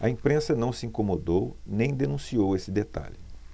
a imprensa não se incomodou nem denunciou esse detalhe